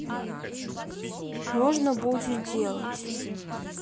можно будет делать